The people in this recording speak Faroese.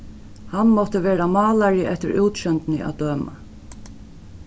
hann mátti vera málari eftir útsjóndini at døma